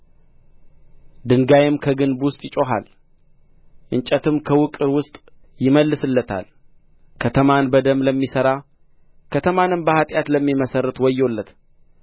ድንጋይም ከግንብ ውስጥ ይጮኻል እንጨትም ከውቅር ውስጥ ይመልስለታል ከተማን በደም ለሚሠራ ከተማንም በኃጢአት ለሚመሠርት ወዮለት